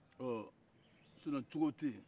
ɔ sinɔn cogo te yen